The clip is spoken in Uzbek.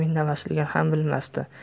indamasligini ham bilmasdi